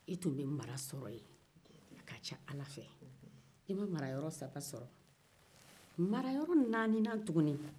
a ka ca ala fɛ i bɛ o marayɔrɔ saba sɔro marayɔrɔ naani nan tuguni